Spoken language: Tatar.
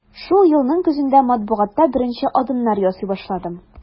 Шул елның көзендә матбугатта беренче адымнар ясый башладым.